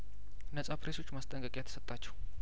ነጻ ፕሬሶች ማስጠንቀቂያ ተሰጣቸው